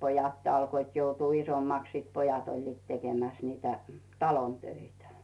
pojat alkoivat joutua isommaksi sitten pojat olivat tekemässä niitä talon töitä